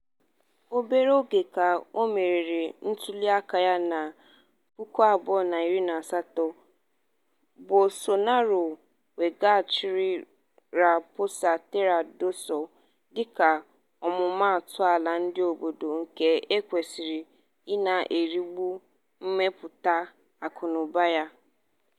Obere oge ka o meriri ntuliaka na 2018, Bolsonaro weghachiri Raposa Terra do Sol dịka ọmụmaatụ ala ndị obodo nke e kwesịrị ị na-erigbu mmepụta akụnaụba ya.